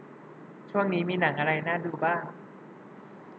ช่วงนี้มีหนังอะไรน่าดูบ้าง